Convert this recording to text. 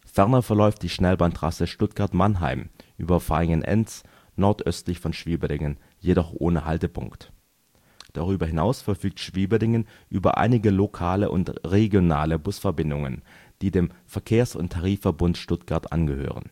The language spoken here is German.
Ferner verläuft die Schnellbahntrasse Stuttgart – Mannheim (über Vaihingen/Enz) nordöstlich von Schwieberdingen, jedoch ohne Haltepunkt. Darüber hinaus verfügt Schwieberdingen über einige lokale und regionale Busverbindungen, die dem Verkehrs - und Tarifverbund Stuttgart angehören